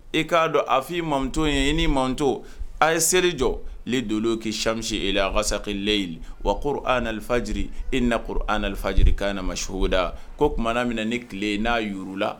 E k'a dɔn a fɔ'i mamuto ye i' mato a ye seri jɔ do' samusi e la a ka salilɛyi wakoro anlifaji e nakorolifaji ka na ma surkoda ko tumaumana minɛ ni tile n'a yla